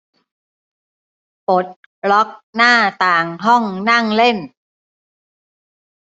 ปลดล็อกหน้าต่างห้องนั่งเล่น